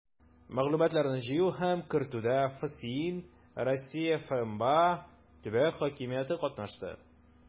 Мәгълүматларны җыю һәм кертүдә ФСИН, Россия ФМБА, төбәк хакимияте катнашты.